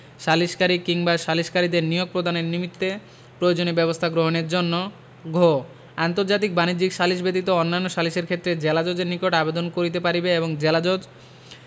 সালিসকারী কিংবা সালিসকারীদের নিয়োগ প্রদানের নিমিত্তে প্রয়োজনীয় ব্যবস্থা গ্রহণের জন্য ঘ আন্তর্জাতিক বাণিজ্যিক সালিস ব্যতীত অন্যান্য সালিসের ক্ষেত্রে জেলাজজের নিকট আবেদন করিতে পারিবে এবং জেলাজজ